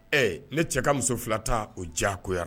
Ɛ ne cɛ ka muso fila ta,o diya koya